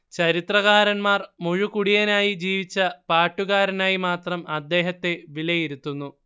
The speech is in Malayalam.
ചരിത്രകാരന്മാർ മുഴുക്കുടിയനായി ജീവിച്ച പാട്ടുകാരനായി മാത്രം അദ്ദേഹത്തെ വിലയിരുത്തുന്നു